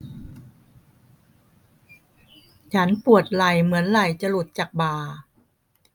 ฉันปวดไหล่เหมือนไหล่จะหลุดจากบ่า